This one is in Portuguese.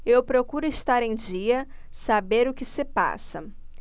eu procuro estar em dia saber o que se passa